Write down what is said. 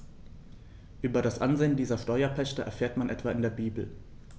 Über das Ansehen dieser Steuerpächter erfährt man etwa in der Bibel.